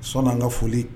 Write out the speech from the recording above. Sɔn an ka foli